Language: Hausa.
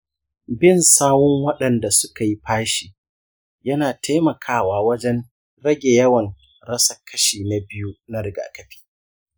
bin sawun waɗanda suka yi fashi yana taimakawa wajen rage yawan rasa kashi na biyu na rigakafi.